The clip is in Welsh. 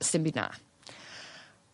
sdim byd 'na.